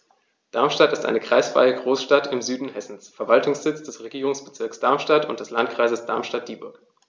Darmstadt ist eine kreisfreie Großstadt im Süden Hessens, Verwaltungssitz des Regierungsbezirks Darmstadt und des Landkreises Darmstadt-Dieburg.